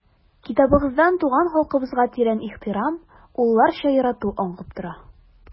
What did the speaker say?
Китабыгыздан туган халкыбызга тирән ихтирам, улларча ярату аңкып тора.